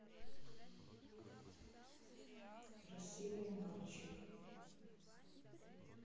красивый мальчик